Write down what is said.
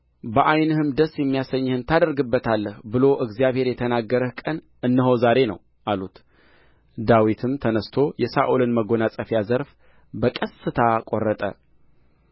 በዓይንህም ደስ የሚያሰኝህን ታደርግበታለህ ብሎ እግዚአብሔር የነገረህ ቀን እነሆ ዛሬ ነው አሉት ዳዊትም ተነሥቶ የሳኦልን መጎናጸፊያ ዘርፍ በቀስታ ቈረጠ